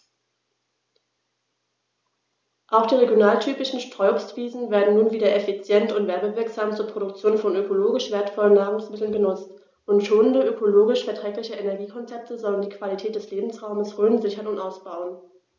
Auch die regionaltypischen Streuobstwiesen werden nun wieder effizient und werbewirksam zur Produktion von ökologisch wertvollen Nahrungsmitteln genutzt, und schonende, ökologisch verträgliche Energiekonzepte sollen die Qualität des Lebensraumes Rhön sichern und ausbauen.